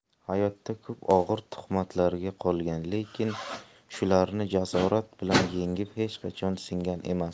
hayotda ko'p og'ir tuhmatlarga qolgan lekin shularni jasorat bilan yengib hech qachon singan emas